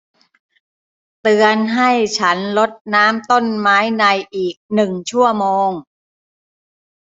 เตือนให้ฉันรดน้ำต้นไม้ในอีกหนึ่งชั่วโมง